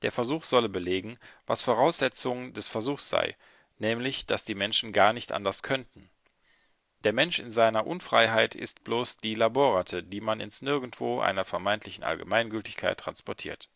Versuch solle belegen, was Voraussetzung des Versuchs sei, nämlich dass die Menschen gar nicht anders könnten. „ Der Mensch in seiner Unfreiheit ist bloß die Laborratte, die man […] ins Nirgendwo einer vermeintlichen Allgemeingültigkeit transportiert